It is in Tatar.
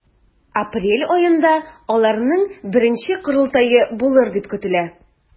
Апрель аенда аларның беренче корылтае булыр дип көтелә.